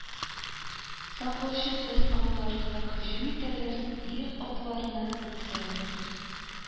Саклаучысыз авылларга һөҗүм итәләр, ир-атларны үтерәләр